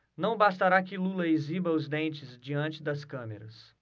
não bastará que lula exiba os dentes diante das câmeras